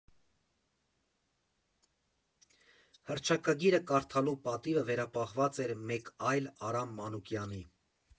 Հռչակագիրը կարդալու պատիվը վերապահված էր մեկ այլ Արամ Մանուկյանի։